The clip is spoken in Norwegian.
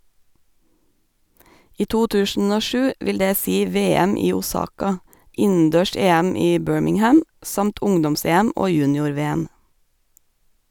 I 2007 vil det si VM i Osaka, innendørs-EM i Birmingham, samt ungdoms-EM og junior-VM.